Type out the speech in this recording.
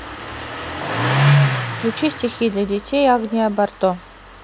включи стихи для детей агния барто